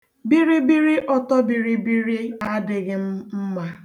Bịrịbịrị ọtọbiri adịghị m mma.